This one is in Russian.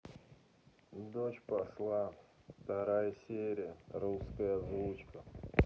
дочь посла вторая серия русская озвучка